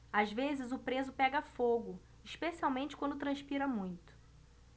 às vezes o preso pega fogo especialmente quando transpira muito